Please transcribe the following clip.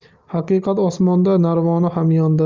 haqiqat osmonda narvoni hamyonda